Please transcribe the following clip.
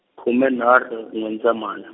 khume nharhu N'wendzamhala.